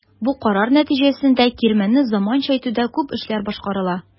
Бу карар нәтиҗәсендә кирмәнне заманча итүдә күп эшләр башкарыла.